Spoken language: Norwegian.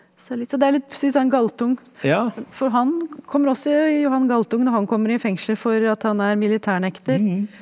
se litt så det er litt syns han Galtung for han kommer ogsåJohan Galtung når han kommer i fengsel for at han er militærnekter.